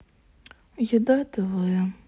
еда тв